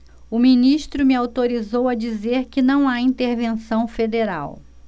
o ministro me autorizou a dizer que não há intervenção federal